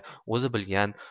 o'zi bilgan